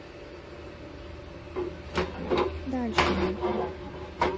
дальше ной